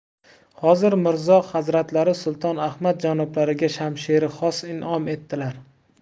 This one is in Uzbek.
hozir mirzo hazratlari sulton ahmad janoblariga shamshiri xos inom etdilar